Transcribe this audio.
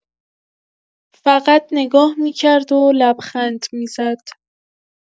فقط نگاه می‌کرد و لبخند می‌زد.